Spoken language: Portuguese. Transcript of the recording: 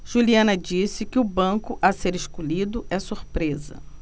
juliana disse que o banco a ser escolhido é surpresa